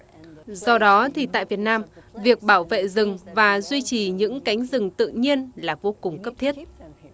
do đó thì tại việt nam việc bảo vệ rừng và duy trì những cánh rừng tự nhiên là vô cùng cấp thiết